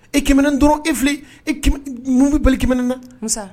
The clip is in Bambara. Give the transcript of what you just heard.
Ekimen dɔrɔn efi e mun bɛ bali kɛmɛen na